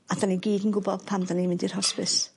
A 'dan ni gyd yn gwbo pan 'dan ni'n mynd i'r hosbis.